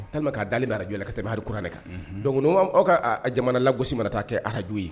K'a'a dalenale bɛ' araj la ka taa hakuranɛ kan don aw ka jamana lagosi mana taa kɛ arajjuo ye